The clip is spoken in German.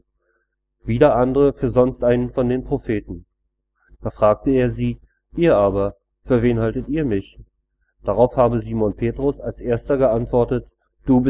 wieder andere für sonst einen von den Propheten. Da fragte er sie: Ihr aber, für wen haltet ihr mich? “Darauf habe Simon Petrus als Erster geantwortet: „ Du